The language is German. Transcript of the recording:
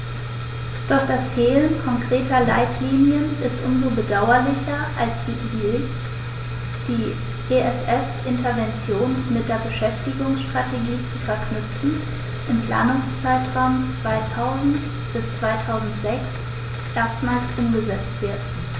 Doch das Fehlen konkreter Leitlinien ist um so bedauerlicher, als die Idee, die ESF-Interventionen mit der Beschäftigungsstrategie zu verknüpfen, im Planungszeitraum 2000-2006 erstmals umgesetzt wird.